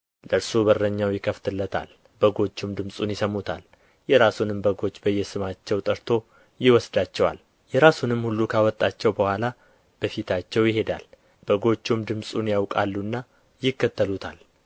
ለእርሱ በረኛው ይከፍትለታል በጎቹም ድምፁን ይሰሙታል የራሱንም በጎች በየስማቸው ጠርቶ ይወስዳቸዋል የራሱንም ሁሉ ካወጣቸው በኋላ በፊታቸው ይሄዳል በጎቹም ድምፁን ያውቃሉና ይከተሉታል